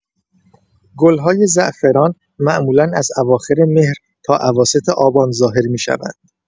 گل‌های زعفران معمولا از اواخر مهر تا اواسط آبان ظاهر می‌شوند.